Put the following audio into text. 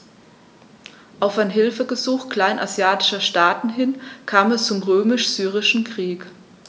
Auf ein Hilfegesuch kleinasiatischer Staaten hin kam es zum Römisch-Syrischen Krieg.